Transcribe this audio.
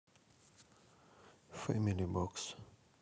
фэмили бокс